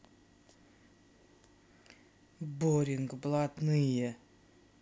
boring блатные